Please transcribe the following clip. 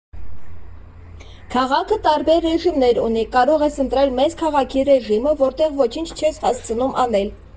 Քաղաքը տարբեր ռեժիմներ ունի՝ կարող ես ընտրել մեծ քաղաքի ռեժիմը, որտեղ ոչինչ չես հասցնում անել։